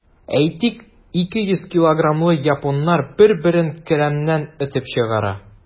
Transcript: Әйтик, 200 килограммлы японнар бер-берен келәмнән этеп чыгара.